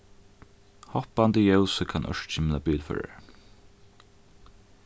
hoppandi ljósið kann ørkymla bilførarar